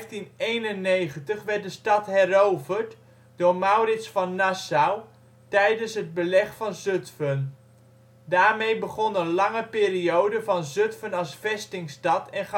In 1591 werd de stad heroverd door Maurits van Nassau, tijdens het Beleg van Zutphen. Daarmee begon een lange periode van Zutphen als vestingstad en